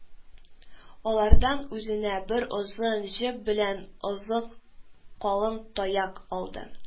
Алардан үзенә бер озын җеп белән озын калын таяк алды